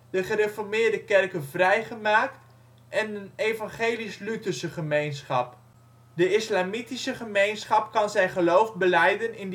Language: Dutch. de Gereformeerde Kerken vrijgemaakt en een Evangelisch-Lutherse gemeenschap. De islamitische gemeenschap kan zijn geloof belijden in